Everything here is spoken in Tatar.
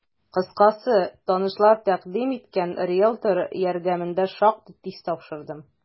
Кыскасы, танышлар тәкъдим иткән риелтор ярдәмендә шактый тиз тапшырдым.